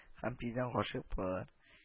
Һәм тиздән гашыйк булалар